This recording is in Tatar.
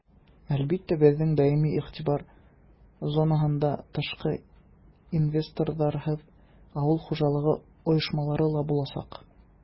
Әлбәттә, безнең даими игътибар зонасында тышкы инвесторларсыз авыл хуҗалыгы оешмалары да булачак.